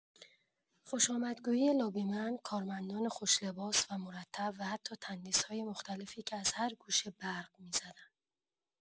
خوش‌آمدگویی لابی من، کارمندان خوش‌لباس و مرتب و حتی تندیس‌های مختلفی که از هر گوشه برق می‌زدن.